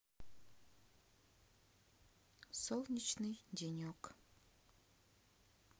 солнечный денек